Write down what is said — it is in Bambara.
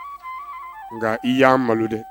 Nka i y' anan malo dɛ